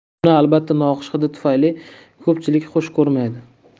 uni albatta noxush hidi tufayli ko'pchilik xush ko'rmaydi